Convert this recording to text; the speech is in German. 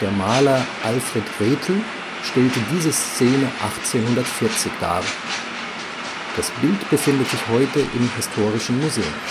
Maler Alfred Rethel stellte diese Szene 1840 dar. Das Bild befindet sich heute im Historischen Museum